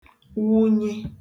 wụnye